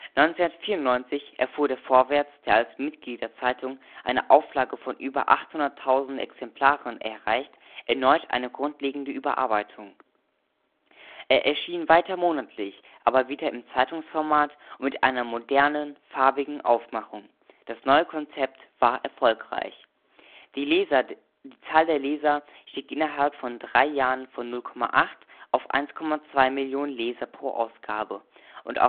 1994 erfuhr der Vorwärts, der als Mitgliederzeitung eine Auflage von über 800.000 Exemplaren erreicht, erneut eine grundlegende Überarbeitung. Er erschien weiter monatlich, aber wieder im Zeitungsformat und mit einer moderneren, farbigen Aufmachung. Das neue Konzept war erfolgreich. Die Zahl der Leser stieg innerhalb von drei Jahren von 0,8 auf 1,2 Millionen Leser pro Ausgabe, und